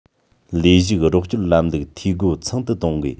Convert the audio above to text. ལས ཞུགས རོགས སྐྱོར ལམ ལུགས འཐུས སྒོ ཚང དུ གཏོང དགོས